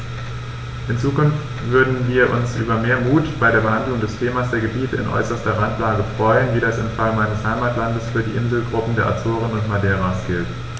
In Zukunft würden wir uns über mehr Mut bei der Behandlung des Themas der Gebiete in äußerster Randlage freuen, wie das im Fall meines Heimatlandes für die Inselgruppen der Azoren und Madeiras gilt.